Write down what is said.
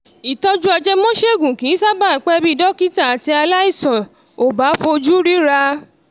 "Ìtọ́jú ajẹmọ́ṣègùn kìí sábà pé bí dókítà àti aláìsàn ò bá fojú ríra.